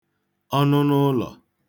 ọnụnụ ụlọ̀